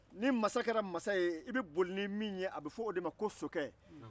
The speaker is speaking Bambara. ni masa kɛra masa ye i bɛ boli ni min ye a bɛ fɔ o de ma ko sokɛ